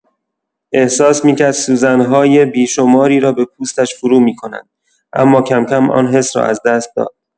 احساس می‌کرد سوزن‌های بی‌شماری را به پوستش فرومی‌کنند، اما کم‌کم آن حس را از دست داد.